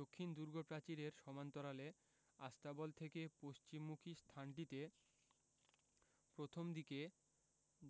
দক্ষিণ দুর্গপ্রাচীরের সমান্তরালে আস্তাবল থেকে পশ্চিমমুখি স্থানটিতে প্রথম দিকে